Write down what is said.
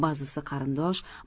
ba'zisi qarindosh